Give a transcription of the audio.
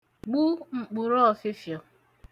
gbu m̀kpụ̀ruọ̀fịfị̀ọ̀